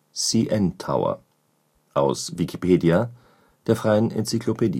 CN Tower, aus Wikipedia, der freien Enzyklopädie